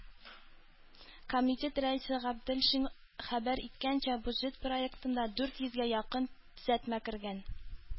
Комитет рәисе Гаделшин хәбәр иткәнчә, бюджет проектына дүрт йөзгә якын төзәтмә кергән.